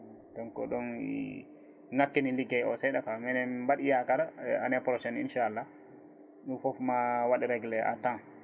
donc ko ɗon woni ngakkini ligguey o seeɗa quoi mais min mbaɗi yakar année prochaine inchallah ɗum foof ma waaɗ réglé à temps